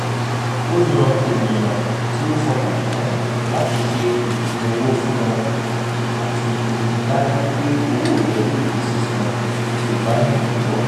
Ó yan ènìyàn tí ó fọkàntán láti ṣe ìpinnu owó fún ọ àti rì i dájú pé owó rẹ yóò di sísan tí o bá ní ìdíwọ́.